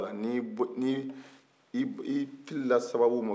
n'i e bo n'i i i filila sababu ma